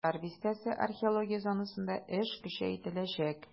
"татар бистәсе" археология зонасында эш көчәйтеләчәк.